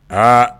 Aaaaa